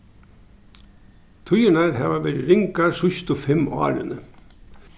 tíðirnar hava verið ringar síðstu fimm árini